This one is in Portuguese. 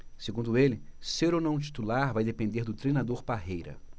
segundo ele ser ou não titular vai depender do treinador parreira